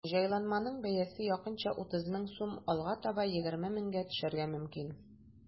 Җайланманың бәясе якынча 30 мең сум, алга таба 20 меңгә төшәргә мөмкин.